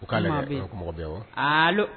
U k' mɔgɔ bɛ wa